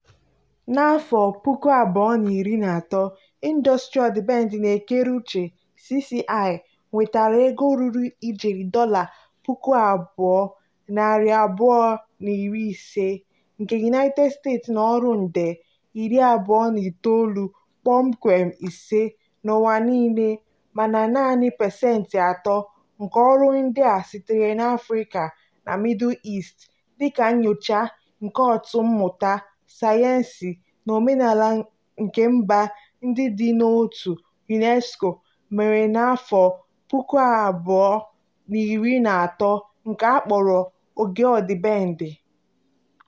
Na 2013, ndọstrị odịbendị na ekere uche (CCI) nwetara ego ruru ijeri dọla 2,250 nke United States na ọrụ nde 29.5 n'ụwa niile [mana] naanị pasent 3 nke ọrụ ndị a sitere na Afrịka na Middle East, dịka nnyocha nke Òtù Mmụta, Sayensị na Omenala nke Mba Ndị Dị n'Otu (UNESCO) mere na 2013 nke akpọrọ "Oge Ọdịbendị."